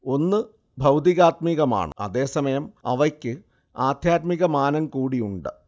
ഒന്ന് ഭൗതികാത്മികമാണ്, അതേസമയം, അവയ്ക്ക് ആധ്യാത്മിക മാനം കൂടിയുണ്ട്